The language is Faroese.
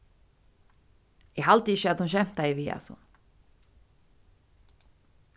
eg haldi ikki at hon skemtaði við hasum